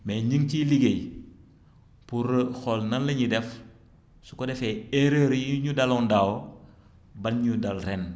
mais ñi ngi ciy liggéey pour xool nan la ñuy def su ko defee erreurs yi ñu daloon daaw bañ ñu dal ren